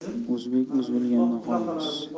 o'zbek o'z bilganidan qolmas